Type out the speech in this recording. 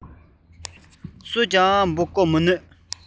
སུས ཀྱང འབུ རྐོ མི སྤོབས